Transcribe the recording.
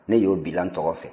ne y'o bila n tɔgɔ fɛ